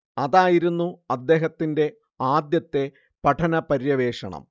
അതായിരുന്നു അദ്ദേഹത്തിന്റെ ആദ്യത്തെ പഠന പര്യവേക്ഷണം